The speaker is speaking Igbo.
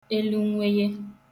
elūnwenye